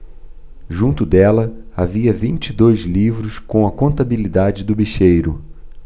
junto dela havia vinte e dois livros com a contabilidade do bicheiro